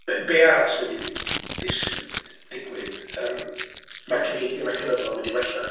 Be be arall sy'n mynd i ddigwydd? Yym ma' cyfeithu mecanyddol yn mynd i wella.